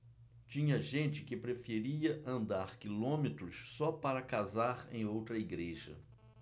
tinha gente que preferia andar quilômetros só para casar em outra igreja